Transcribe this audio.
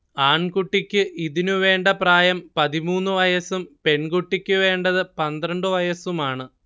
ആൺകുട്ടിക്ക് ഇതിനു വേണ്ട പ്രായം പതിമൂന്ന് വയസ്സും പെൺകുട്ടിക്കു വേണ്ടത് പന്ത്രണ്ട് വയസ്സുമാണ്